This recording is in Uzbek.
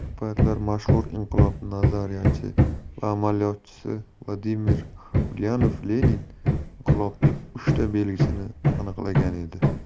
bir paytlar mashhur inqilob nazariyachi va amaliyotchisi vladimir ulyanov lenin inqilobning uchta belgisini aniqlagan edi